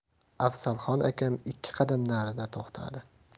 afzalxon akam ikki qadam narida to'xtadi